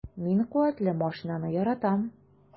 Мин куәтле машинаны яратам.